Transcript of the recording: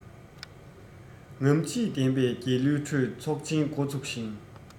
རྔམ བརྗིད ལྡན པའི རྒྱལ གླུའི ཁྲོད ཚོགས ཆེན འགོ ཚུགས ཤིང